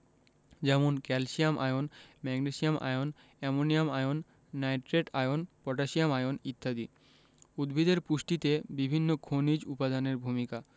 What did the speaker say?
যেমন calcium ion magnesium ion ammonium ion nitrate ion potassium ion ইত্যাদি উদ্ভিদের পুষ্টিতে বিভিন্ন খনিজ উপাদানের ভূমিকা